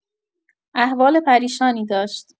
احوال پریشانی داشت.